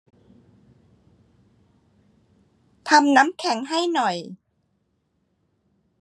ทำน้ำแข็งให้หน่อย